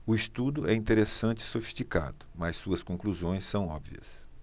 o estudo é interessante e sofisticado mas suas conclusões são óbvias